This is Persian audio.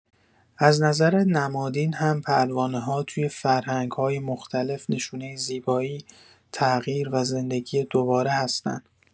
از نظر نمادین هم پروانه‌ها تو فرهنگ‌های مختلف نشونه زیبایی، تغییر و زندگی دوباره هستن.